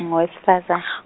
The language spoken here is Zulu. ngowesifaza-.